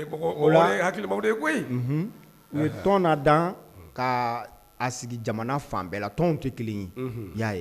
Mɔgɔ ye hakili maa de koyi, unhun, u ye ton la da ka a sigi jamana fan bɛɛl la tɔnw tɛ kelen ye, unhun i y'a ye.